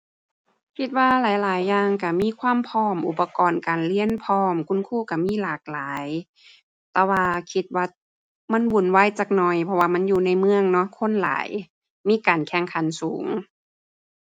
คิดว่าหลายหลายอย่างก็มีความพร้อม อุปกรณ์การเรียนพร้อม คุณครูก็มีหลากหลาย แต่ว่าคิดว่ามันวุ่นวายจักหน่อยเพราะว่า มันอยู่ในเมืองเนาะ คนหลาย มีการแข่งขันสูง